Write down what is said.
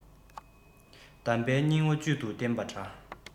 གདམས པའི སྙིང བོ བཅུད དུ བསྟེན པ འདྲ